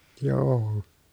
joo